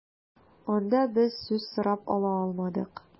Анда без сүз сорап ала алмадык.